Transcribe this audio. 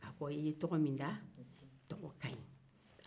a ko i ye tɔgɔ min da ka ɲi